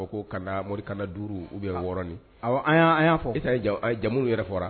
O ko ka na mori kana 5 ou bien 6 ni awɔ an y'a fɔ jamu yɛrɛ fɔ.